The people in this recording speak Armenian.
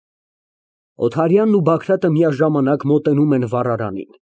ՕԹԱՐՅԱՆ ՈՒ ԲԱԳՐԱՏԸ (Միաժամանակ մոտենում են վառարանին)։